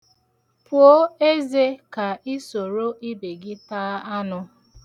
Puo eze ka ị soro ibe gị ta anụ.